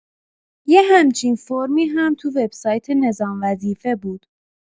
یه همچین فرمی هم تو وبسایت نظام‌وظیفه بود